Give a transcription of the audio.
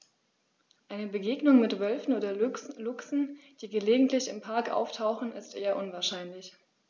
Eine Begegnung mit Wölfen oder Luchsen, die gelegentlich im Park auftauchen, ist eher unwahrscheinlich.